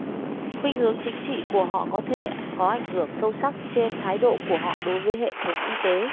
khuynh hướng chính trị của họ có thể có ảnh hưởng sâu sắc trên thái độ của họ đối với hệ thống y tế